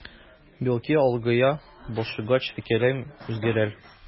Бәлки олыгая башлагач фикерем үзгәрер.